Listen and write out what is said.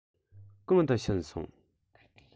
གང དུ ཕྱིན སོང